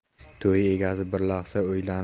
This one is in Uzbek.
to'y egasi bir lahza